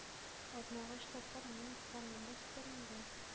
Атнага өч тапкыр немецларның рус телендә